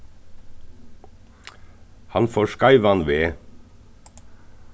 hann fór skeivan veg